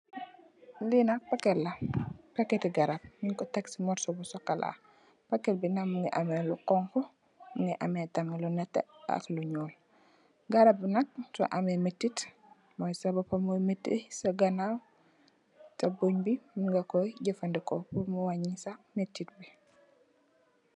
Lii nak packet la, packeti garab, njung kor tek cii morsoh bu chocolat, packet bii nak mungy ameh lu khonku, mungy ameh tamit lu nehteh ak lu njull, garab bii nak sor ameh metit, moiy sa bopa moiy meti, sa ganaw, sa bongh bii, mun nga kor jeufandehkor pur mu waanjii sa metit.